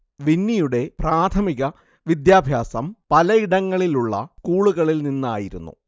വിന്നിയുടെ പ്രാഥമിക വിദ്യാഭ്യാസം പലയിടങ്ങളിലുള്ള സ്കൂളുകളിൽ നിന്നായിരുന്നു